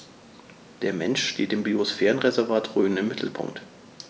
Der Mensch steht im Biosphärenreservat Rhön im Mittelpunkt.